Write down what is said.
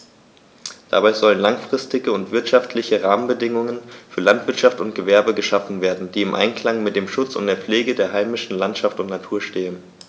Dabei sollen langfristige und wirtschaftliche Rahmenbedingungen für Landwirtschaft und Gewerbe geschaffen werden, die im Einklang mit dem Schutz und der Pflege der heimischen Landschaft und Natur stehen.